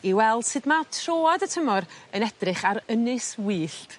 ...i weld sud ma' troad y tymor yn edrych ar ynys wyllt.